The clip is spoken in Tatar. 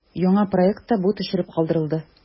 Яңа проектта бу төшереп калдырылды.